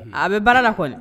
A bɛ baara lakɔ